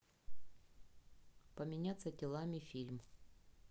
поменяться телами фильм